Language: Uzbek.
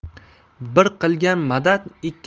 bir qilgan madad